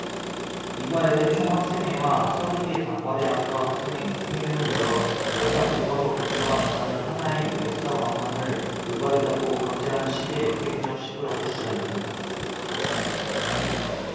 이화여대 총학생회와 서른 개 단과대 학과 학생회 회견을 열어 역사 교과서 국정화 전환은 하나의 역사관만을 올바르다고 강제하는 시대 역행적 시도라고 주장했다